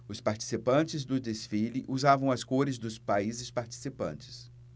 os participantes do desfile usavam as cores dos países participantes